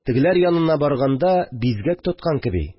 Тегеләр янына барганда, бизгәк тоткан кеби